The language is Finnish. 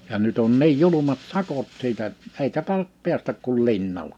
ja nyt on niin julmat sakot siitä - eikä taida päästä kuin linnalla